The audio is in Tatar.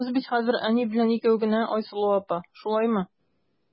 Без бит хәзер әни белән икәү генә, Айсылу апа, шулаймы?